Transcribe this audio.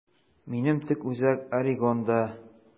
Минем төп үзәк Орегонда.